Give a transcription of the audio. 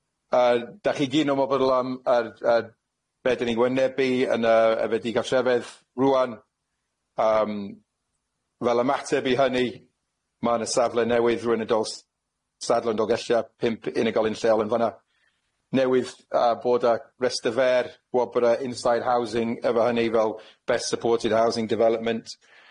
Yy dach chi gyd yn ymwybodol am yr yy be' dyn ni'n wynebu yn yy efyd i gartrefedd rŵan, yym fel ymateb i hynny ma' na safle newydd rŵan yn dyls sadle yn Dolgella pump unigolyn lleol yn fan'na newydd yy bod y resty fer wobre inside housing efo hynny fel best supported housing development.